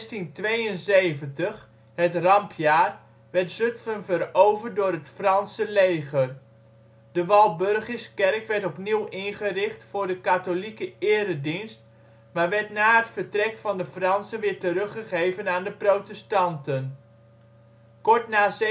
In 1672 (Rampjaar) werd Zutphen veroverd door het Franse leger. De Walburgiskerk werd opnieuw ingericht voor de katholieke eredienst maar werd na het vertrek van de Fransen weer teruggegeven aan de protestanten. Kort na 1700